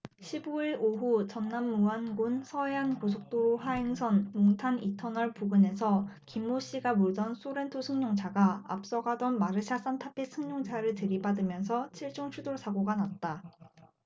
십 오 일 오후 전남 무안군 서해안고속도로 하행선 몽탄 이 터널 부근에서 김모씨가 몰던 쏘렌토 승용차가 앞서 가던 마르샤 싼타페 승용차를 들이받으면서 칠 중 추돌사고가 났다